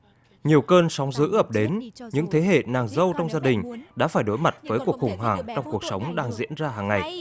nhiều cơn sóng dữ ập đến những thế hệ nàng dâu trong gia đình đã phải đối mặt với cuộc khủng hoảng trong cuộc sống đang diễn ra hằng ngày